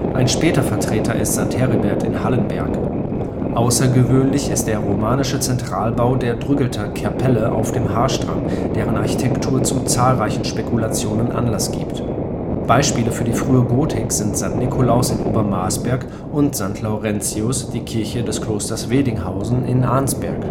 Ein später Vertreter ist St. Heribert in Hallenberg. Außergewöhnlich ist der romanische Zentralbau der Drüggelter Kapelle auf dem Haarstrang, deren Architektur zu zahlreichen Spekulationen Anlass gibt. Beispiele für die frühe Gotik sind St. Nikolaus in Obermarsberg und St. Laurentius, die Kirche des Klosters Wedinghausen in Arnsberg